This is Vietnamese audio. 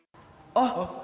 ơ